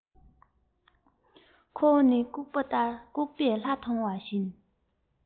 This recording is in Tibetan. ཁོ བོ ནི ལྐུགས པས ལྷ མཐོང བ བཞིན